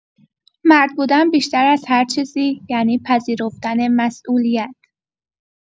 مرد بودن بیشتر از هر چیزی، یعنی «پذیرفتن مسئولیت»؛